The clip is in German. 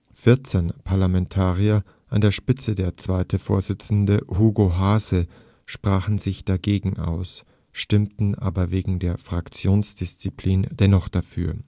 14 Parlamentarier, an der Spitze der zweite Vorsitzende Hugo Haase, sprachen sich dagegen aus, stimmten aber wegen der Fraktionsdisziplin dennoch dafür